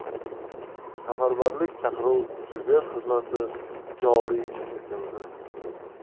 safarbarlik chaqiruv rezerv xizmati joriy etildi